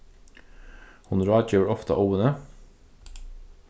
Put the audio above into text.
hon ráðgevur ofta óðini